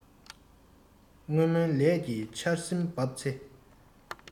སྔོན སྨོན ལས ཀྱི ཆར ཟིམ བབས ཚེ